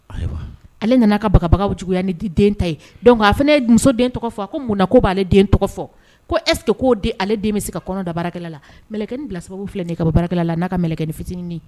Ayiwa ale nana ka bagabaga juguya ni du denw ta ye. Donc a fana ne ye muso den tɔgɔ fɔ . A ko munna ko bale den tɔgɔ fɔ . Ko est-ce que ko ale den bi se ka kɔnɔ da baarakɛla wa? Mɛlɛkɛ nin bila sababu filɛ nin ka bɔ baara la a na ka mɛlɛkɛnin fitininin.